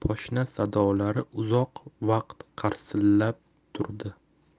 poshna sadolari uzoq vaqt qarsillab turdi